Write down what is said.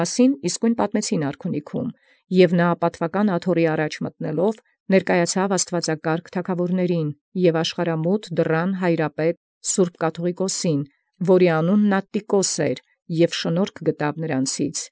Զորմէ իսկոյն պատմէին յարքունիսն, և մտեալ առաջի պատուական աթոռոյն՝ յանդիման լինէր աստուածակարգ թագաւորացն և հայրապետին սրբոյ կաթուղիկոսին աշխարհամուտ դրանն, որում Ատտիկոս կոչէին, յորոց և գտեալ շնորհս։